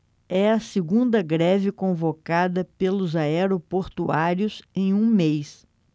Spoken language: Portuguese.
é a segunda greve convocada pelos aeroportuários em um mês